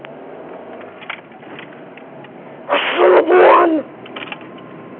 пошел вон